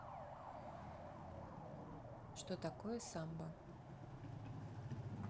что такое самбо